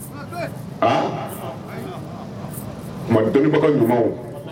Ma dɔnnibagaw ɲuman